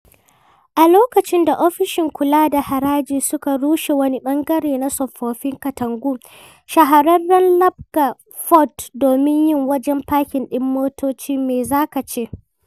A lokacin da ofishin kula da haraji suka rushe wani ɓangare na tsofaffin katangun shahararren Lalbagh Fort domin yin wajen pakin ɗin motoci, me za ka ce?